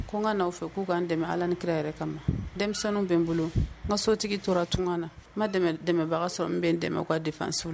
Ko n ka'a fɛ k'u k ka dɛmɛ ala ni kira yɛrɛ kama denmisɛnninw bɛ n bolo n sotigi tora tun na ma dɛmɛbaga sɔrɔ n bɛ dɛmɛ ka defa so la